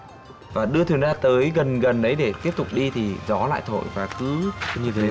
và đưa thuyền ra tới gần gần đấy để tiếp tục đi thì gió lại thổi và cứ như thế